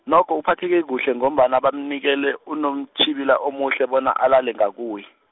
nokho uphatheke kuhle ngombana bamnikela unontjhibila omuhle bona alale ngakuye.